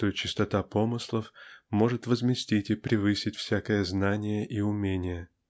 что Чистота помыслов может возместить и перевесить всякое знание и умение.